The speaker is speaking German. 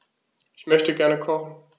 Ich möchte gerne kochen.